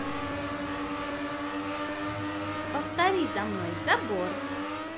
повтори за мной забор